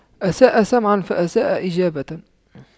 أساء سمعاً فأساء إجابة